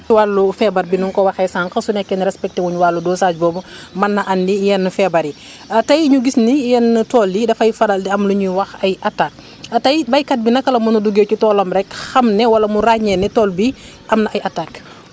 ci wàllu feebar bi ni nga kowaxee sànq su nekkee ne respecté wuñ wàllu dosage boobu mën na andi yenn feebar yi ah tey ñu gis ni yenn tool yi dafay faral di am lu ñuy wax ay attaques tey béykat bi naka la mun a duggee ci toolam rek xam ne wala mu ràññee ne tool bii am na ay attaques